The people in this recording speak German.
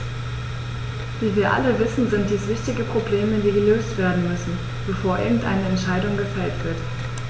Wie wir alle wissen, sind dies wichtige Probleme, die gelöst werden müssen, bevor irgendeine Entscheidung gefällt wird.